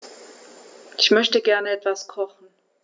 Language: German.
Ich möchte gerne etwas kochen.